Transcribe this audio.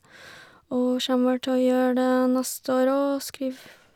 Og kjem vel til å gjøre det neste år òg, skrif...